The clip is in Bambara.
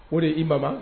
O de ye i maman